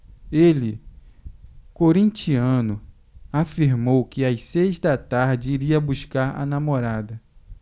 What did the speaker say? ele corintiano afirmou que às seis da tarde iria buscar a namorada